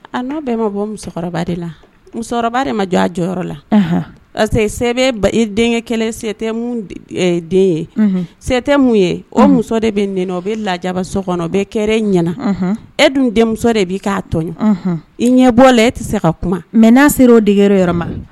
A n'a bɛɛ ma bɔ musokɔrɔba de la musokɔrɔba de ma jɔ a jɔyɔrɔ la parce que sɛbɛ i denkɛ sɛ den ye sɛ tɛ ye o muso de bɛ n o bɛ lajaba so kɔnɔ bɛ kɛ ɲɛna e dun denmuso de b'i k'a tɔn i ɲɛ bɔ la e tɛ se ka kuma mɛ n'a sera oo degeyɔrɔ yɔrɔ ma